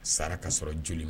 Sara ka sɔrɔ joli